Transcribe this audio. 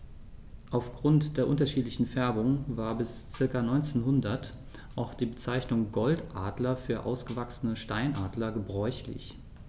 Auf Grund der unterschiedlichen Färbung war bis ca. 1900 auch die Bezeichnung Goldadler für ausgewachsene Steinadler gebräuchlich.